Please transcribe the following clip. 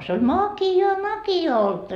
se oli makeaa olutta